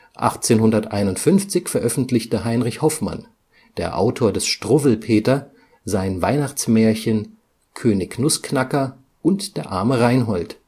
1851 veröffentlichte Heinrich Hoffmann, der Autor des Struwwelpeter, sein Weihnachtsmärchen „ König Nußknacker und der arme Reinhold